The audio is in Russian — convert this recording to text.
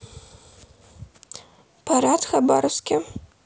парад в хабаровске